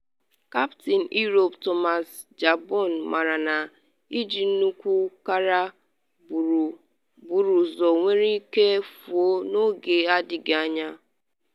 Kaptịn Europe Thomas Bjorn maara na iji nnukwu akara buru ụzọ nwere ike fuo n’oge adịghị anya